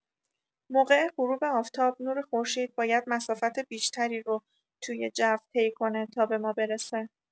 موقع غروب آفتاب، نور خورشید باید مسافت بیشتری رو توی جو طی کنه تا به ما برسه.